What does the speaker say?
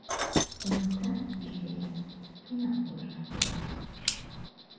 Кунакта, билгеле, тыйнак булырга кирәк.